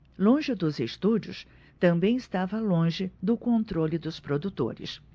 longe dos estúdios também estava longe do controle dos produtores